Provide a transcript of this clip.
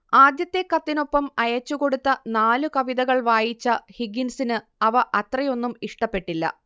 ആദ്യത്തെ കത്തിനൊപ്പം അയച്ചുകൊടുത്ത നാല് കവിതകൾ വായിച്ച ഹിഗിൻസിന് അവ അത്രയൊന്നും ഇഷ്ടപ്പെട്ടില്ല